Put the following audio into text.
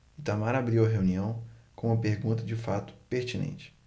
itamar abriu a reunião com uma pergunta de fato pertinente